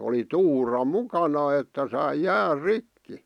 oli tuura mukana että sai jään rikki